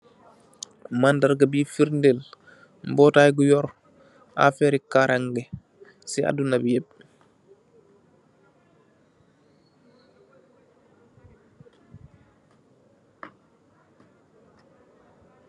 Mandarga bi ferden mbotai bu yorr afereh carangeh si aduna bi yeep.